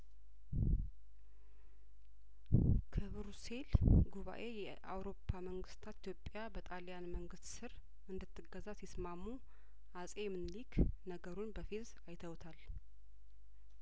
ከብሩሴል ጉባኤ የአውሮፓ መንግስታት ኢትዮጵያ በጣሊያን መንግስት ስር እንድትገዛ ሲስማሙ አጼምንሊክ ነገሩን በፌዝ አይተውታል